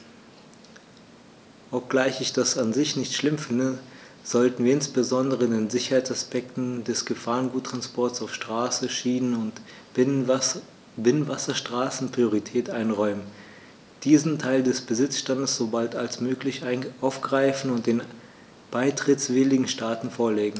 Obgleich ich das an sich nicht schlimm finde, sollten wir insbesondere den Sicherheitsaspekten des Gefahrguttransports auf Straße, Schiene und Binnenwasserstraßen Priorität einräumen, diesen Teil des Besitzstands so bald als möglich aufgreifen und den beitrittswilligen Staaten vorlegen.